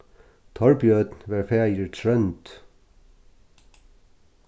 torbjørn var faðir trónd